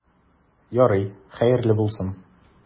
Ярый, хәерле булсын.